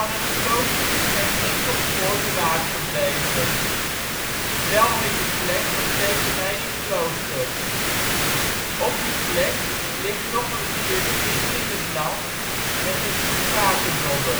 het klooster is geen enkel spoor bewaard gebleven, wel heet de plek nog steeds Nijenklooster. Op die plek ligt nog een wierde midden in het land met een zoetwaterdobbe